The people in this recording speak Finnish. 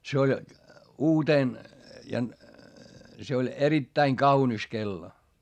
se oli uutena ja se oli erittäin kaunis kello